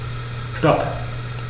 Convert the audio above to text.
Stop.